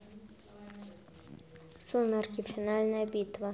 сумерки финальная битва